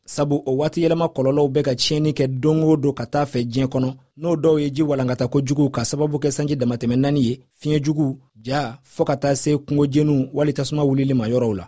sabu o waatiyɛlɛma kɔlɔlɔw bɛ ka tiɲɛni kɛ don o don ka taa a fɛ diɲɛ kɔnɔ n'o dɔw ye ji walankatali ka sababu kɛ sanji damatɛmɛ nani ye fiyɛn juguw ja fɔ ka taa se kungo jeniw wali tasuma wililiw ma yɔrɔw la